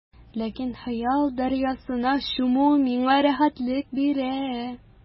Ләкин хыял дәрьясына чуму миңа рәхәтлек бирә.